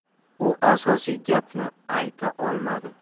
u asosiy gapni ayta olmadi